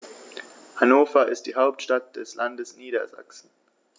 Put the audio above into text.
Hannover ist die Hauptstadt des Landes Niedersachsen.